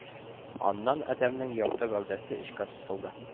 Аннан адәмнең ярты гәүдәсе эчкә сузылды